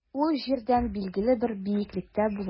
Ул җирдән билгеле бер биеклектә була.